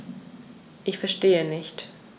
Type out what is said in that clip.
Ich verstehe nicht.